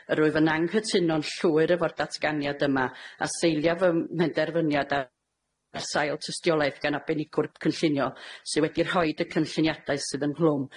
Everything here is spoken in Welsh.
Yr wyf yn anghytuno'n llwyr efo'r datganiad yma, a seiliaf fy m- mhenderfyniad ar sail tystiolaeth gan arbenigwr cynllunio sy wedi rhoid y cynlluniadau sydd ynghlwm,